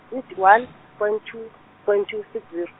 ithi one, point two, point two six zero.